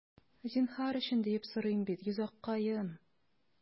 Зинһар өчен, диеп сорыйм бит, йозаккаем...